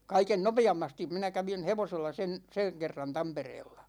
kaiken nopeammasti minä kävin hevosella sen sen kerran Tampereella